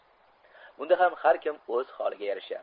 bunda ham har kim o'z holiga yarasha